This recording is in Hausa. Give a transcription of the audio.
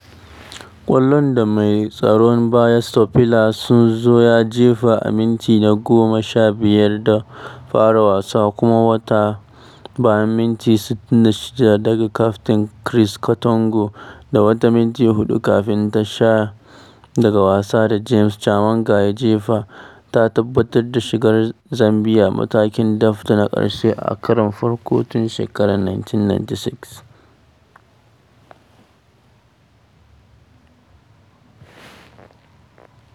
Ƙwallon da mai tsaron baya Stopilla Sunzu ya jefa a minti na goma sha biyar da fara wasa, da kuma wata bayan mintuna 66 daga kaftin Chris Katongo, da wata minti huɗu kafin tashi daga wasa da James Chamanga ya jefa, ta tabbatar da shigar Zambiya matakin daf dana ƙarshe a karon farko tun shekarar 1996.